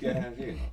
mikähän siinä oli